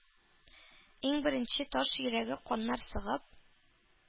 Иң беренче таш йөрәге каннар сыгып,